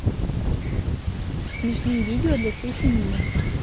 смешные видео для всей семьи